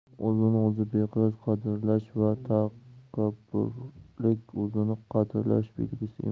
o'z o'zini beqiyos qadrlash va takabburlik o'zini qadrlash belgisi emas